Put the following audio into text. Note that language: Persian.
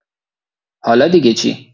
حالا دیگه چی؟